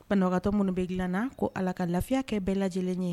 Banabagatɔ minnu bɛ dilan na ko Ala ka lafiya kɛ bɛɛ lajɛlen ye